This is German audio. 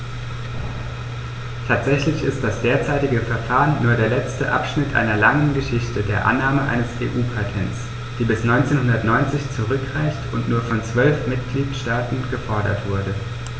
Tatsächlich ist das derzeitige Verfahren nur der letzte Abschnitt einer langen Geschichte der Annahme eines EU-Patents, die bis 1990 zurückreicht und nur von zwölf Mitgliedstaaten gefordert wurde.